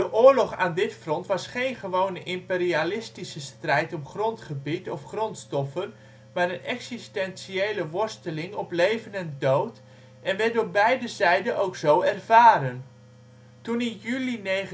oorlog aan dit front was geen gewone imperialistische strijd om grondgebied of grondstoffen maar een existentiële worsteling op leven en dood, en werd door beide zijden ook zo ervaren. Toen in juli 1941